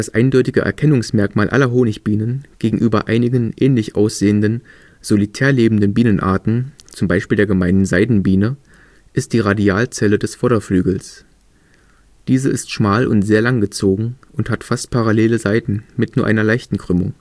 eindeutige Erkennungsmerkmal aller Honigbienen gegenüber einigen ähnlich aussehenden solitär lebenden Bienenarten, z. B. der Gemeinen Seidenbiene, ist die Radialzelle des Vorderflügels. Diese ist schmal und sehr langgezogen und hat fast parallele Seiten mit nur einer leichten Krümmung